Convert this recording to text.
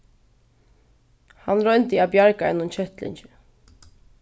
hann royndi at bjarga einum kettlingi